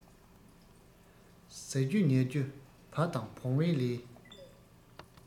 ཟ རྒྱུ ཉལ རྒྱུ བ དང བོང བའི ལས